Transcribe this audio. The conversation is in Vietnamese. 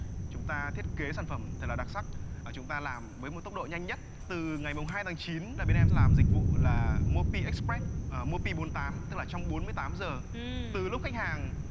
chúng ta thiết kế sản phẩm thật là đặc sắc và chúng ta làm với một tốc độ nhanh nhất từ ngày mồng hai tháng chín là bên em sẽ làm dịch vụ là mô pi ích pét ờ mô pi bốn tám tức là trong bốn mươi tám giờ từ lúc khách hàng